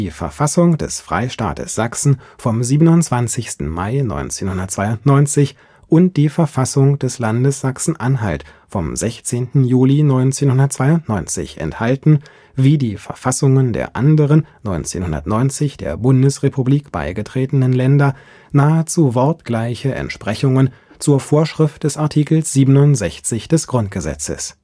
Verfassung des Freistaates Sachsen vom 27. Mai 1992 und die Verfassung des Landes Sachsen-Anhalt vom 16. Juli 1992 enthalten – wie die Verfassungen der anderen 1990 der Bundesrepublik beigetretenen Länder – nahezu wortgleiche Entsprechungen zur Vorschrift des Artikels 67 des Grundgesetzes